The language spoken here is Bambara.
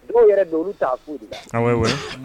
Dɔw yɛrɛ don olu t'a kun de, a ouai ouai